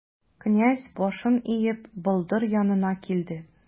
Князь, башын иеп, болдыр янына килде.